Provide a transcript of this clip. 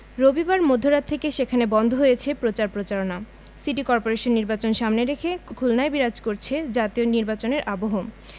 রবিবার মধ্যরাত থেকে সেখানে বন্ধ হয়েছে প্রচার প্রচারণা সিটি করপোরেশন নির্বাচন সামনে রেখে খুলনায় বিরাজ করছে জাতীয় নির্বাচনের আবহ